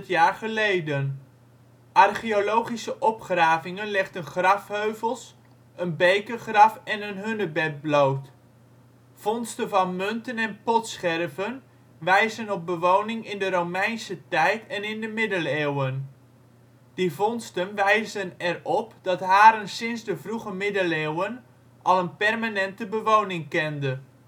jaar geleden. Archeologische opgravingen legden grafheuvels, een bekergraf en een hunebed bloot. Vondsten van munten en potscherven wijzen op bewoning in de Romeinse tijd en in de middeleeuwen. Die vondsten wijzen er op dat Haren sinds de vroege middeleeuwen al een permanente bewoning kende